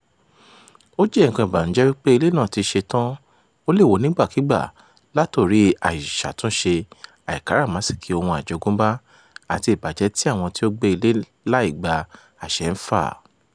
Ó jẹ́ nǹkan ìbànújẹ́ wípé ilé náà ti ṣe tán, ó lè wó nígbàkigbà látorí àìṣàtúnṣe, àìkáràmáìsìkí ohun àjogúnbá, àti ìbàjẹ́ tí àwọn tí ó gbé ilé láì gba àṣẹ ń fà.